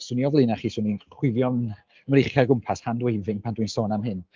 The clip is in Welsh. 'swn i o flaenau chi 'swn i'n chwifio mreichiau o gwmpas hand waving pan dwi'n sôn am hyn.